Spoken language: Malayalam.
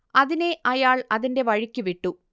അതിനെ അയാൾ അതിന്റെ വഴിക്ക് വിട്ടു